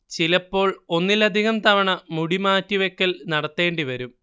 ചിലപ്പോൾ ഒന്നിലധികം തവണ മുടി മാറ്റിവെക്കൽ നടത്തേണ്ടി വരും